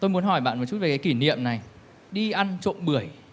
tôi muốn hỏi bạn một chút về kỷ niệm này đi ăn trộm bưởi